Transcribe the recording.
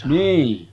niin